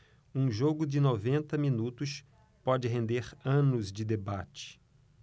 um jogo de noventa minutos pode render anos de debate